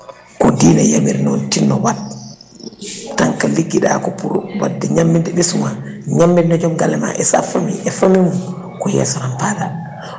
ko diine yamiri noon tinno wat tant que ligguiɗa ko pour wadde ñamminde ɓesgu ma gonde joom galle ma e sa famille e famille mum ko yeeso tan paaɗa